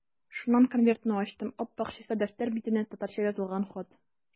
Шуннан конвертны ачтым, ап-ак чиста дәфтәр битенә татарча язылган хат.